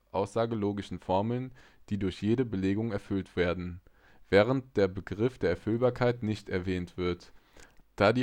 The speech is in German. aussagenlogische Formeln, die durch jede Belegung erfüllt werden), während der Begriff der Erfüllbarkeit nicht erwähnt wird. Da